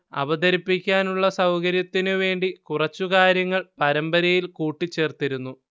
അവതരിപ്പിക്കാനുള്ള സൗകര്യത്തിനു വേണ്ടി കുറച്ച് കാര്യങ്ങൾ പരമ്പരയിൽ കൂട്ടിച്ചേർത്തിരുന്നു